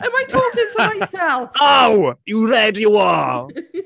Am I talking to myself?... Ow! You ready or what?